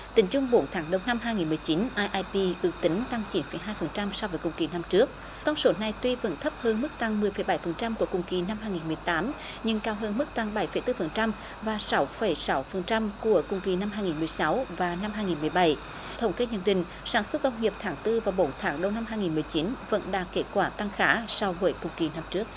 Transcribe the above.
tính chung bốn tháng đầu năm hai nghìn mười chín ai ai pi ước tính tăng chín phẩy hai phần trăm so với cùng kỳ năm trước con số này tuy vẫn thấp hơn mức tăng mười phẩy bảy phần trăm của cùng kỳ năm hai nghìn mười tám nhưng cao hơn mức tăng bảy phẩy tư phần trăm và sáu phẩy sáu phần trăm của cùng kỳ năm hai nghìn mười sáu và năm hai nghìn mười bảy thống kê nhận định sản xuất công nghiệp tháng tư và bốn tháng đầu năm hai nghìn mười chín vẫn đạt kết quả tăng khá so với cùng kỳ năm trước